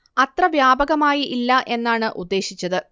അത്ര വ്യാപകമായി ഇല്ല എന്നാണ് ഉദ്ദേശിച്ചത്